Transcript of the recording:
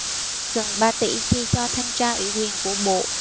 gần ba tỷ chi cho thanh tra ủy quyền của bộ